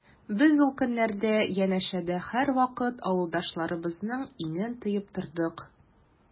Без ул көннәрдә янәшәдә һәрвакыт авылдашларыбызның иңен тоеп тордык.